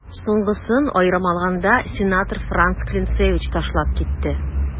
Соңгысын, аерым алганда, сенатор Франц Клинцевич ташлап китте.